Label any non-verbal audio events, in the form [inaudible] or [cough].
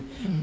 [hesitation] [hesitation]